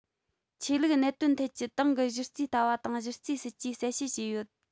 ཆོས ལུགས གནད དོན ཐད ཀྱི ཏང གི གཞི རྩའི ལྟ བ དང གཞི རྩའི སྲིད ཇུས གསལ བཤད བྱས ཡོད